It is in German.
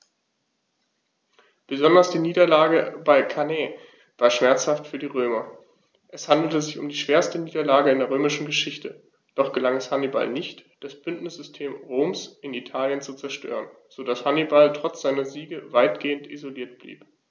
Besonders die Niederlage bei Cannae war schmerzhaft für die Römer: Es handelte sich um die schwerste Niederlage in der römischen Geschichte, doch gelang es Hannibal nicht, das Bündnissystem Roms in Italien zu zerstören, sodass Hannibal trotz seiner Siege weitgehend isoliert blieb.